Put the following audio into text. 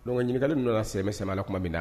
Dɔnka ni nana sɛmɛ sɛla tuma min na